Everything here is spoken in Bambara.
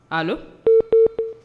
Ala